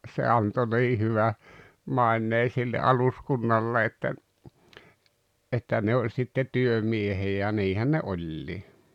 se - se antoi niin hyvän maineen sille aluskunnalle että että ne oli sitten työmiehiä ja niinhän ne oli